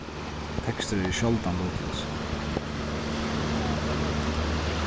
tekstir eru sjáldan lutleysir